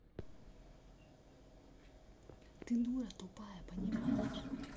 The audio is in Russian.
ты дура тупая понимаешь